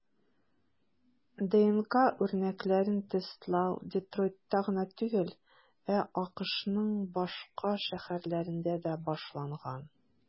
ДНК үрнәкләрен тестлау Детройтта гына түгел, ә АКШның башка шәһәрләрендә дә башланган.